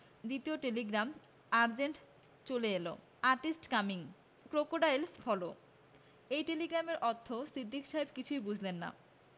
দ্বিতীয় telegram urgent চলে এল আর্টিস্ট কামিং. ক্রোকোডাইলস ফলো' এই টেলিগ্রামের অর্থ সিদ্দিক সাহেব কিছুই বুঝলেন না